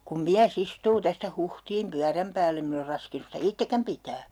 kun mies istuu tästä Huhtiin pyörän päällä en minä ole raskinut sitä itsekään pitää